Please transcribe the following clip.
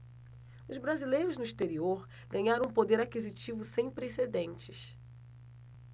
os brasileiros no exterior ganharam um poder aquisitivo sem precedentes